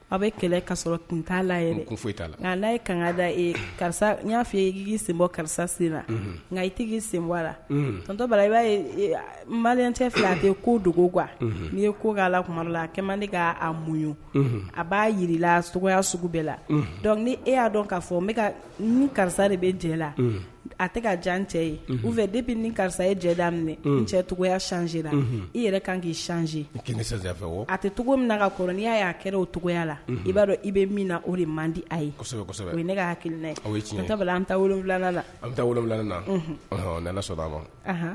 Aw bɛ kɛlɛ ka sɔrɔ kunla foyi kanga da karisa y'a i senbɔ karisa sen nka i tigi sen lato bara i b'a macɛ fɛ a ko dogo n'i ye ko' alakuma la ne k'a muɲ a b'a jirala sogo sugu bɛɛ la dɔnku ni e y'a dɔn k'a fɔ n bɛ ka ni karisa de bɛ jɛ la a tɛ ka jan cɛ ye u fɛ de bɛ ni karisa ye jɛda minɛ n cɛ cogoyayacjie la i yɛrɛ kan k'i sji a tɛ cogo min na kaɔrɔn n'i'a y'a kɛ o cogoyaya la i b'a dɔn i bɛ min na o de man di asɛbɛ ne ka hakili an wolonwula an